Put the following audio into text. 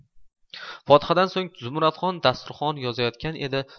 fotihadan so'ng zumradxon dasturxon yozayotgan edi